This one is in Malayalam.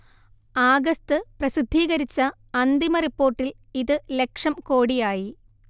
ആഗസ്ത് പ്രസിദ്ധീകരിച്ച അന്തിമ റിപ്പോർട്ടിൽ ഇത് ലക്ഷം കോടിയായി